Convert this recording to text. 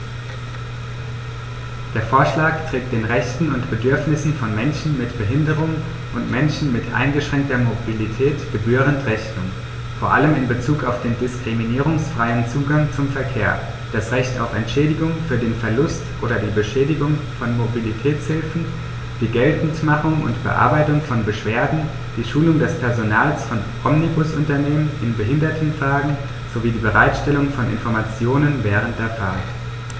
Der Vorschlag trägt den Rechten und Bedürfnissen von Menschen mit Behinderung und Menschen mit eingeschränkter Mobilität gebührend Rechnung, vor allem in Bezug auf den diskriminierungsfreien Zugang zum Verkehr, das Recht auf Entschädigung für den Verlust oder die Beschädigung von Mobilitätshilfen, die Geltendmachung und Bearbeitung von Beschwerden, die Schulung des Personals von Omnibusunternehmen in Behindertenfragen sowie die Bereitstellung von Informationen während der Fahrt.